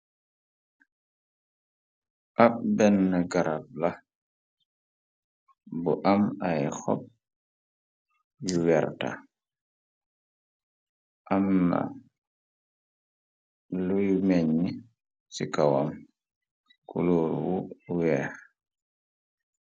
Ab benne garab la bu am ay xop yu werta am na luy meñe ci kawam kulur wu weex.